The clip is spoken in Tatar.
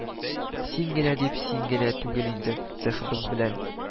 Син генә дип, син генә түгел инде: цехыбыз белән